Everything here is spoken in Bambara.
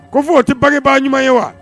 K'fɔ o tɛ bangebaa ɲuman ye wa?